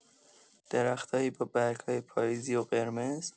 درخت‌هایی با برگ‌های پاییزی و قرمز